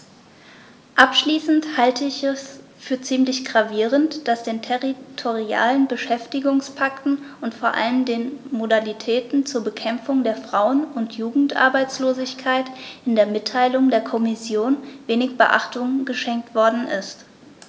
Abschließend halte ich es für ziemlich gravierend, dass den territorialen Beschäftigungspakten und vor allem den Modalitäten zur Bekämpfung der Frauen- und Jugendarbeitslosigkeit in der Mitteilung der Kommission wenig Beachtung geschenkt worden ist.